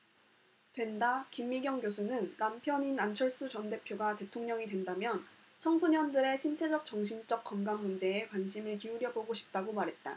된다 김미경 교수는 남편인 안철수 전 대표가 대통령이 된다면 청소년들의 신체적 정신적 건강 문제에 관심을 기울여 보고 싶다고 말했다